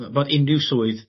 my- fod unryw swydd